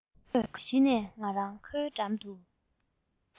ཁོས གཞི ནས ང རང ཁོའི འགྲམ དུ